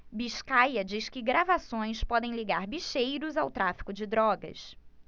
biscaia diz que gravações podem ligar bicheiros ao tráfico de drogas